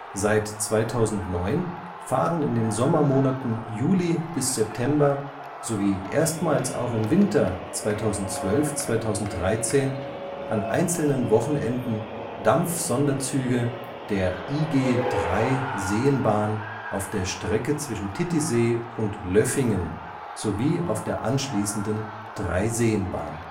Seit 2009 fahren in den Sommermonaten Juli – September sowie erstmals auch im Winter 2012/13 an einzelnen Wochenenden Dampfsonderzüge der IG 3-Seenbahn auf der Strecke zwischen Titisee und Löffingen sowie auf der anschließenden Dreiseenbahn